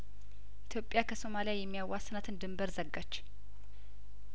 ኢትዮጵያ ከሶማሊያ የሚያዋስናትን ድንበር ዘጋች